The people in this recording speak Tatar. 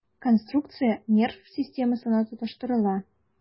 Конструкция нерв системасына тоташтырыла.